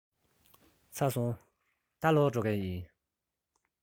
ཚར སོང ད ལོག འགྲོ མཁན ཡིན